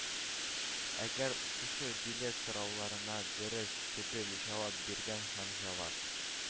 Әгәр укучы билет сорауларына дөрес, төгәл җавап биргән һәм җавап